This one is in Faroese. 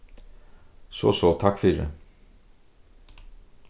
so so takk fyri